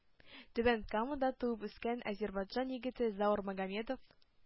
Түбән Камада туып-үскән әзербайҗан егете Заур Магомедов